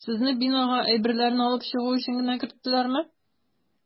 Сезне бинага әйберләрне алып чыгу өчен генә керттеләрме?